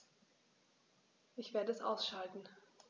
Ich werde es ausschalten